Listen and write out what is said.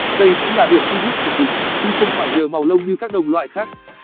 đây cũng là điểm thu hút của chúng chứ không phải nhờ màu lông như các đồng loại khác